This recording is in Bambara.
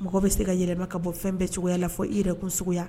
Mɔgɔ bɛ se ka yɛrɛ yɛlɛma ka bɔ fɛn bɛɛ cogoya la fɔ i yɛrɛkun sugu